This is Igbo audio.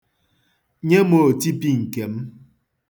Nye m otipi nke m.